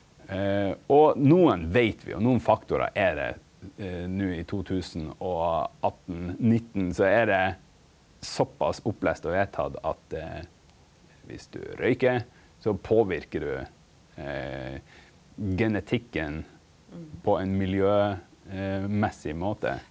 og nokon veit vi og nokon faktorar er det no i 2018 19 så er det såpass opplese og vedtatt at viss du røyker så påverkar du genetikken på ein miljømessig måte.